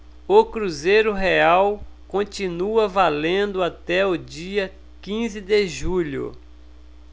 o cruzeiro real continua valendo até o dia quinze de julho